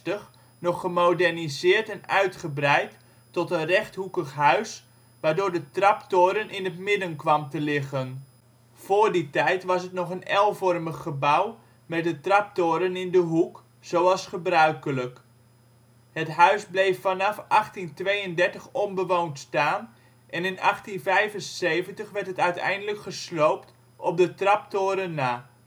in 1760 nog gemoderniseerd en uitgebreid tot een rechthoekig huis waardoor de traptoren in het midden kwam te liggen. Voor die tijd was het nog een L-vormig gebouw met de traptoren in de hoek, zoals gebruikelijk. Het huis bleef vanaf 1832 onbewoond staan en in 1875 werd het uiteindelijk gesloopt, op de traptoren na